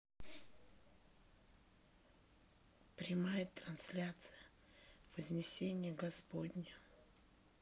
прямая трансляция вознесение господне